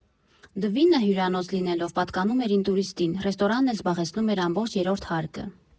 «Դվինը», հյուրանոց լինելով, պատկանում էր «Ինտուրիստին», ռեստորանն էլ զբաղեցնում էր ամբողջ երրորդ հարկը։